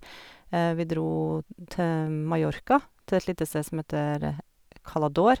Vi dro til Mallorca, til et lite sted som heter Cala d'Or.